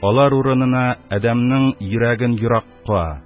Алар урынына адәмнең йөрәген еракка,